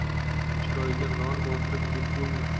chiroyga non botirib yeb bo'lmas